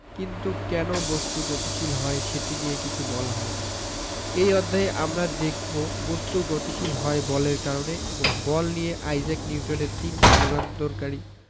কিন্তু কেন বস্তু গতিশীল হয় সেটি নিয়ে কিছু বলা হয়নি এই অধ্যায়ে আমরা দেখব বস্তু গতিশীল হয় বলের কারণে এবং বল নিয়ে আইজাক নিউটনের তিনটি যুগান্তকারী